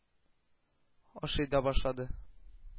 Ашый да башлады.